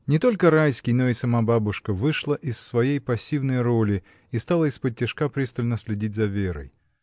Не только Райский, но и сама бабушка вышла из своей пассивной роли и стала исподтишка пристально следить за Верой.